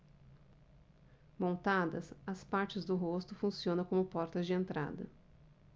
montadas as partes do rosto funcionam como portas de entrada